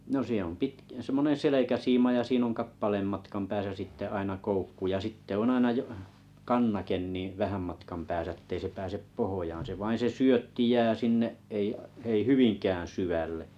no siinä on - semmoinen selkäsiima ja siinä on kappaleen matkan päässä sitten aina koukku ja sitten on aina - kannake niin vähän matkan päässä että ei se pääse pohjaan se vain se syötti jää sinne ei ei hyvinkään syvälle